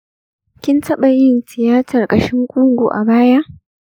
kin taɓa yin tiyatar ƙashin ƙugu a baya?